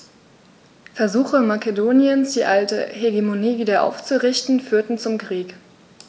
Versuche Makedoniens, die alte Hegemonie wieder aufzurichten, führten zum Krieg.